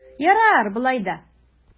Ярар болай да!